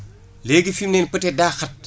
léegi fi mu ne nii peut être daa xat